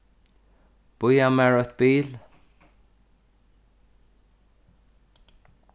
bíða mær eitt bil